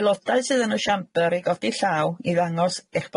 Aelodau sydd yn y shambyr i godi llaw i ddangos eich